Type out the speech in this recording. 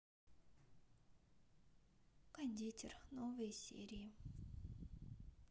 кондитер новые серии